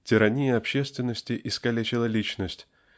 Тирания общественности искалечила личность